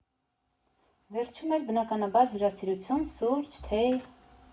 Վերջում էլ, բնականաբար, հյուրասիրություն, սուրճ, թեյ։